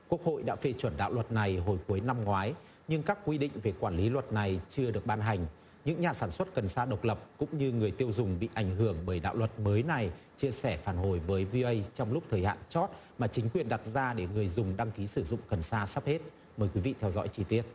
quốc hội đã phê chuẩn đạo luật này hồi cuối năm ngoái nhưng các quy định về quản lý luật này chưa được ban hành những nhà sản xuất cần sa độc lập cũng như người tiêu dùng bị ảnh hưởng bởi đạo luật mới này chia sẻ phản hồi với vi ây trong lúc thời hạn chót mà chính quyền đặt ra để người dùng đăng ký sử dụng cần sa sắp hết mời quý vị theo dõi chi tiết